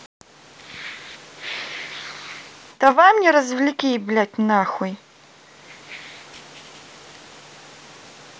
давай мне развлеки блядь нахуй